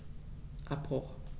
Abbruch.